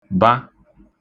ba